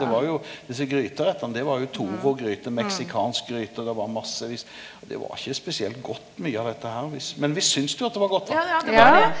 det var jo desse gryterettane, det var jo Toro-gryte, meksikansk gryte og det var massevis, og det var ikkje spesielt godt mykje av dette her viss men vi syntest jo at det var godt då ja.